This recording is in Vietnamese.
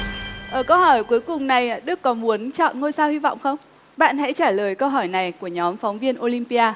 ở câu hỏi cuối cùng này đức có muốn chọn ngôi sao hy vọng không bạn hãy trả lời câu hỏi này của nhóm phóng viên ô lim pi a